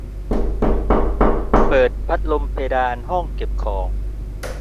เปิดพัดลมเพดานห้องเก็บของ